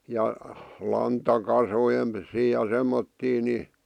ja lantakasojen vissiin ja semmoisia niin